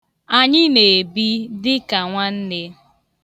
Anyị na-ebi dịka enyị.